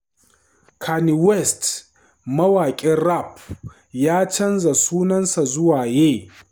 Kanye West: Mawaƙin Rap ya canza sunansa zuwa Ye